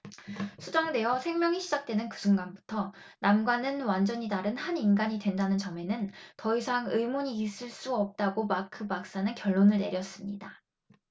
수정되어 생명이 시작되는 그 순간부터 남과는 완전히 다른 한 인간이 된다는 점에는 더 이상 의문이 있을 수 없다고 마크 박사는 결론을 내렸습니다